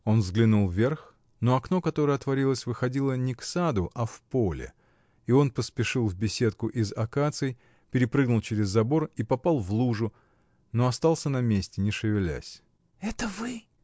Он взглянул вверх, но окно, которое отворилось, выходило не к саду, а в поле, и он поспешил в беседку из акаций, перепрыгнул через забор и попал в лужу, но остался на месте, не шевелясь. — Это вы?